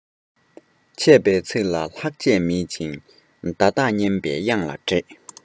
འཆད པའི ཚིག ལ ལྷག ཆད མེད ཅིང བརྡ དག སྙན པའི དབྱངས ལ འདྲེས